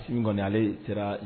Sinɔn ale kɛra